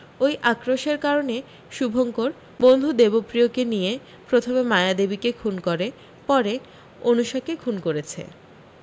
ওই আক্রোশের কারণে শুভঙ্কর বন্ধু দেবপ্রিয়কে নিয়ে প্রথমে মায়াদেবীকে খুন করে পরে অনুষাকে খুন করেছে